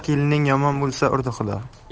kelining yomon bo'lsa urdi xudo